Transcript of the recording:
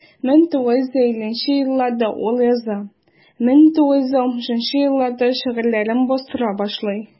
1950 елларда ул яза, 1960 елларда шигырьләрен бастыра башлый.